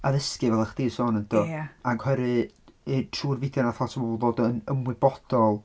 Addysgu, fel o'ch chdi'n sôn do?... Ie. ...Ac oherwydd, trwy'r fideo wnaeth lot o bobl ddod yn ymwybodol...